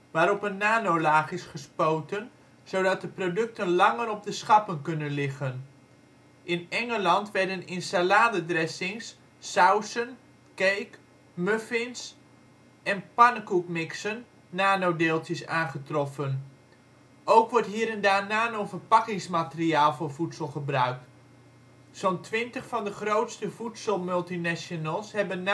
waarop een nano-laag is gespoten, zodat de producten langer op de schappen kunnen liggen. In Engeland werden in saladedressings, sauzen, cake, muffins en pannenkoek-mixen nano-deeltjes aangetroffen. Ook wordt hier en daar nano-verpakkingsmateriaal voor voedsel gebruikt. Zo 'n twintig van de grootste voedselmultinationals hebben